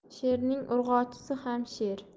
sherning urg'ochisi ham sher